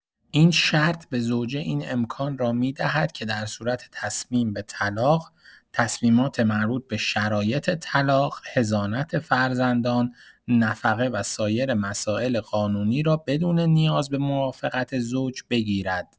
این شرط به زوجه این امکان را می‌دهد که در صورت تصمیم به طلاق، تصمیمات مربوط به شرایط طلاق، حضانت فرزندان، نفقه و سایر مسائل قانونی را بدون نیاز به موافقت زوج بگیرد.